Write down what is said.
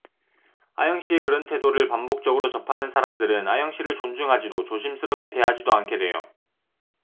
아영씨의 그런 태도를 반복적으로 접하는 사람들은 아영씨를 존중하지도 조심스럽게 대하지도 않게 돼요